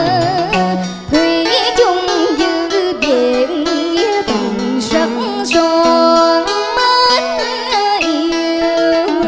nhớ quê hương ơ thủy chung giữ gìn nghĩa tình sắc son mới yêu